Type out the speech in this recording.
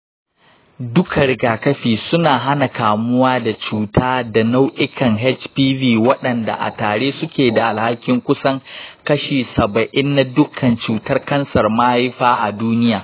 duka rigakafi suna hana kamuwa da cuta da nau’ikan hpv waɗanda a tare suke da alhakin kusan kashi saba'in na dukkan cutar kansar mahaifa a duniya.